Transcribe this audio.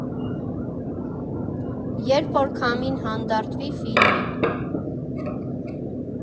Երբ որ քամին հանդարտվի ֆիլմի։